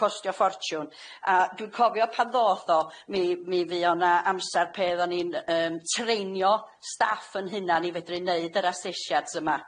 Costio ffortiwn. A dwi'n cofio pan ddoth o mi mi fu o' na amsar pe' oddan ni'n yy yn treinio staff yn hunan i fedru neud yr asesiads yma.